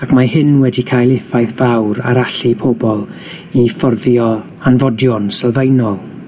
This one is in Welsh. ac mae hyn wedi cael effaith fawr ar allu pobol i fforddio hanfodion sylfaenol.